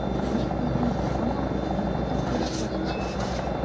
Ник дисәң, һаман юыртып йөреп тә җитешеп булмый.